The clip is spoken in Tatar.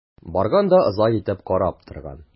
Барган да озак итеп карап торган.